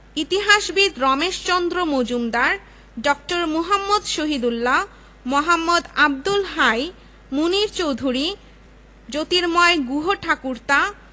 college ও institute ২২টি সরকারি ও ৫২টি বেসরকারি রয়েছে এগুলোর মধ্যে ৬১টিতে ডেন্টাল নার্সিং ফিজিওলজি হোমিওপ্যাথি